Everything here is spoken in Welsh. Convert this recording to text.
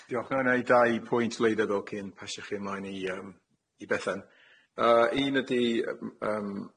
Diolch mae gan ai dau pwynt wleidyddol cyn pasio ti ymlaen i yym Bethan, un ydi yym